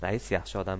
rais yaxshi odam